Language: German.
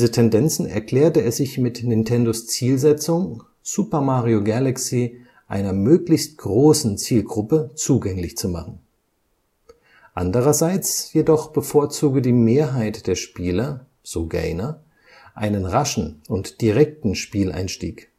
Tendenzen erklärte er sich mit Nintendos Zielsetzung, Super Mario Galaxy einer möglichst großen Zielgruppe zugänglich zu machen. Andererseits jedoch bevorzuge die Mehrheit der Spieler, so Gaynor, einen raschen und direkten Spieleinstieg